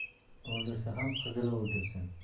o'ldirsa ham qizili o'ldirsin